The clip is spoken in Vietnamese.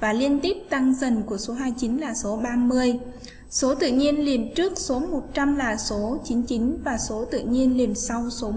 và liên tiếp tăng dần của số là số số tự nhiên liền trước số là số và số tự nhiên liên sau số